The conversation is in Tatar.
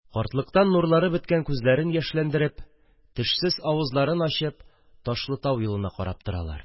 Картлыктан нурлары беткән күзләрен яшьләндереп, тешсез авызларын ачып Ташлытау юлына карап торалар